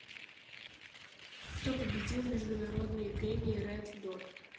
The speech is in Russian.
кто победил в международные премии red dot